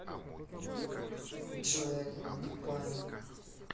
джой алина тупая